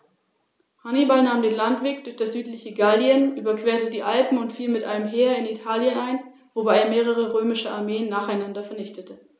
In den wenigen beobachteten Fällen wurden diese großen Beutetiere innerhalb von Sekunden getötet.